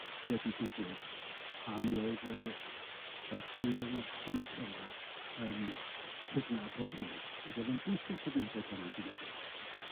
wedi digwydd, a mi oedd y y gŵyl nos gynta 'na yn cydnabod hynny, ag o'dd o'n bwysig cydnabod hynny, dwi'n meddwl.